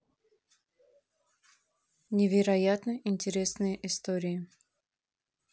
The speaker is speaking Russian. невероятно интересные истории